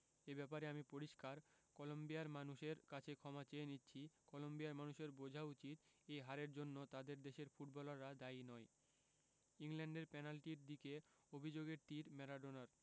এ ব্যাপারে আমি পরিষ্কার কলম্বিয়ার মানুষের কাছে ক্ষমা চেয়ে নিচ্ছি কলম্বিয়ার মানুষের বোঝা উচিত এই হারের জন্য তাদের দেশের ফুটবলাররা দায়ী নয় ইংল্যান্ডের পেনাল্টির দিকে অভিযোগের তির ম্যারাডোনার